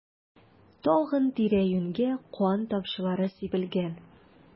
Тагын тирә-юньгә кан тамчылары сибелгән.